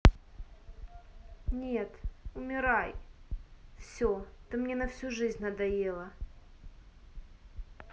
нет умирай все ты мне на всю всю жизнь надоело